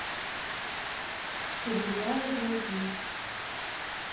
убивая долги